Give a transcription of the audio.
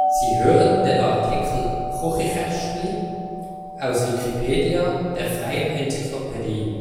Sie hören den Artikel Chuchichäschtli, aus Wikipedia, der freien Enzyklopädie